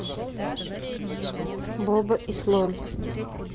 боба и слон